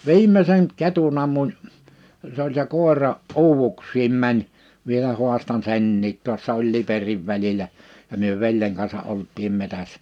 viimeisen ketun ammuin se oli se koira uuvuksiin meni vielä haastan senkin tuossa oli Liperin välillä ja me veljen kanssa olimme metsässä